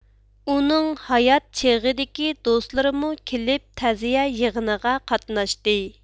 ئۇنىڭ ھايات چېغىدىكى دوستلىرىمۇ كېلىپ تەزىيە يىغنىغا قاتناشتى